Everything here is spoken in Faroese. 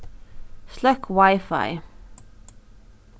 sløkk wifi